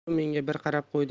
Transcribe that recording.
u menga bir qarab qo'ydi